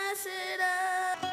Baasia sera